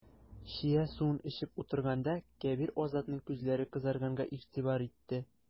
Чия суын эчеп утырганда, Кәбир Азатның күзләре кызарганга игътибар итте.